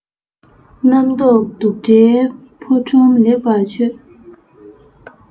རྣམ རྟོག སྡུག འདྲེའི ཕོ ཁྲོམ ལེགས པར ཆོད